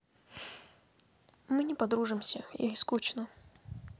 мы не подружимся это скучно